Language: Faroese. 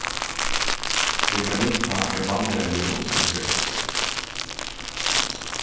veganisma er vanligari nú enn fyrr